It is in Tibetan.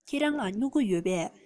ཁྱེད རང ལ སྨྱུ གུ ཡོད པས